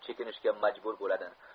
chekinishga majbur bo'ladi